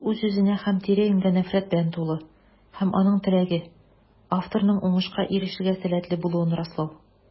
Ул үз-үзенә һәм тирә-юньгә нәфрәт белән тулы - һәм аның теләге: авторның уңышка ирешергә сәләтле булуын раслау.